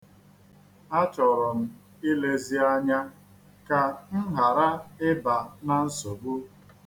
Achọrọ m ilezi anya ka m ghara ịba na nsogbu.